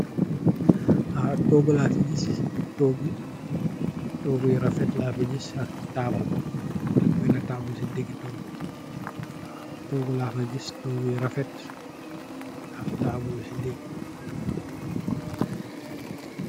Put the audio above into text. Toogu laa fi gis, toogu yu rafet laa fi gis ak taabul. Ak beenë taabul si diggë toogu yi. Toogu laa fi gis, toogu yu rafet, ak taabul si diggë